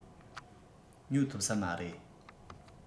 ཉོ ཐུབ ས མ རེད